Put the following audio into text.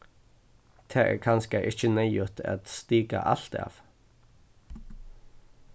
tað er kanska ikki neyðugt at stika alt av